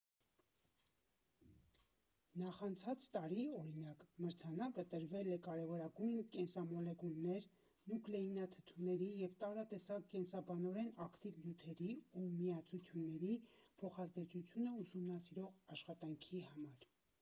Նախանցած տարի, օրինակ, մրցանակը տրվել է կարևորագույն կենսամոլեկուլների՝ նուկլեինաթթուների և տարատեսակ կենսաբանորեն ակտիվ նյութերի ու միացությունների փոխազդեցությունը ուսումնասիրող աշխատանքի համար։